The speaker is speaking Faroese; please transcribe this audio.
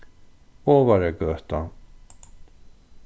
ovaragøta